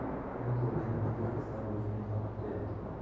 uni ko'rganda o'zbek qizlari o'zini yo'qotib qo'yadi